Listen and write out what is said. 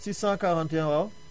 641 waaw